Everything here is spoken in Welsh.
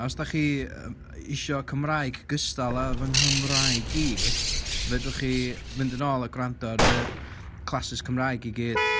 Os ydach chi yy isio Cymraeg gystal â fy Nghymraeg i, fedrwch chi fynd yn ôl a gwrando ar yr classes Cymraeg i gyd.